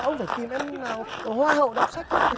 ông phải tìm em nào hoa hậu đọc sách chứ